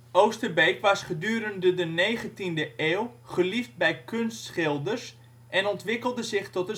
Oosterbeek was gedurende de 19e eeuw geliefd bij kunstschilders en ontwikkelde zich tot